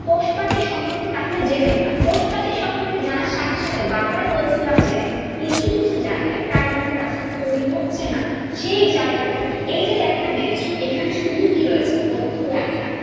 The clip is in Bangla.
কোষপ্রাচীর সম্পর্কে তাহলে জেনে গেলাম কোষ প্রাচীর সম্পর্কে জানা সাথে সাথে বারবার বলছিলাম যে কিছু কিছু জায়গায় প্রাইমারি প্রাচীরটা তৈরি হচ্ছে না সেই জায়গাটা কি এই যে জায়গাটি দেখছো এখানে শুধু কি রয়েছে মধ্য লামেলা